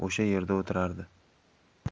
o'sha yerda o'tirardi